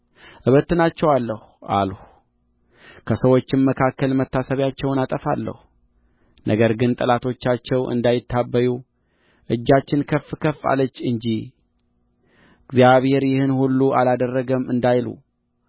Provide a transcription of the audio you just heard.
እበትናቸዋለሁ አልሁ ከሰዎችም መካከል መታሰቢያቸውን አጠፋለሁ ነገር ግን ጠላቶቻቸው እንዳይታበዩ እጃችን ከፍ ከፍ አለች እንጂ እግዚአብሔር ይህን ሁሉ አላደረገም እንዳይሉ